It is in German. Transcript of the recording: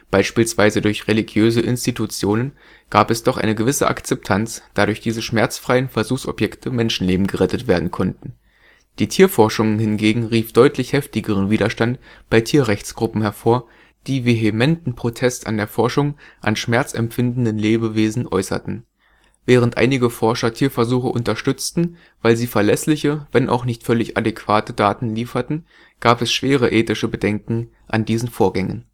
beispielsweise durch religiöse Institutionen, gab es doch eine gewisse Akzeptanz, da durch diese schmerzfreien Versuchsobjekte Menschenleben gerettet werden konnten. Die Tierforschung hingegen rief deutlich heftigeren Widerstand bei Tierrechtsgruppen hervor, die vehementen Protest an der Forschung an Schmerz empfindenden Lebewesen äußerten. Während einige Forscher Tierversuche unterstützten, weil sie verlässliche, wenn auch nicht völlig adäquate Daten lieferten, gab es schwere ethische Bedenken an diesen Vorgängen